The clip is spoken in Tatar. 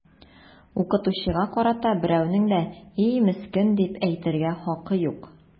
Укытучыга карата берәүнең дә “и, мескен” дип әйтергә хакы юк!